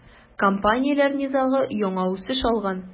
Компанияләр низагы яңа үсеш алган.